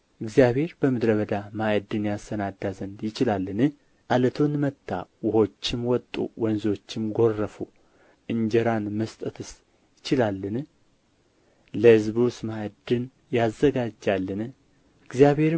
እግዚአብሔር በምድረ በዳ ማዕድን ያሰናዳ ዘንድ ይችላልን ዓለቱን መታ ውኆችም ወጡ ወንዞችም ጐረፉ እንጀራን መስጠትስ ይችላልን ለሕዝቡስ ማዕድን ያዘጋጃልን እግዚአብሔርም